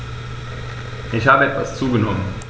Ich habe etwas zugenommen